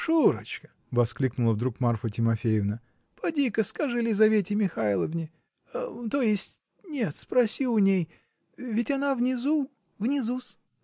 -- Шурочка, -- воскликнула вдруг Марфа Тимофеевна, -- поди-ка скажи Лизавете Михайловне -- то есть, нет, спроси у ней. ведь она внизу? -- Внизу-с.